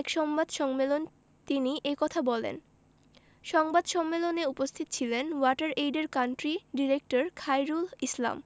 এক সংবাদ সম্মেলন তিনি এ কথা বলেন সংবাদ সম্মেলনে উপস্থিত ছিলেন ওয়াটার এইডের কান্ট্রি ডিরেক্টর খায়রুল ইসলাম